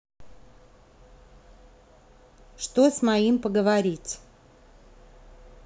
что с моим поговорить